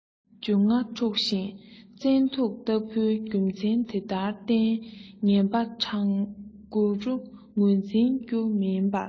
འབྱུང ལྔ འཁྲུགས ཤིང བཙན དུག ལྟ བུའི རྒྱུ མཚན དེ འདྲར བརྟེན ངན པ གྲངས དགུ རུ ངོས འཛིན རྒྱུ མིན པར